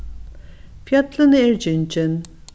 fjøllini eru gingin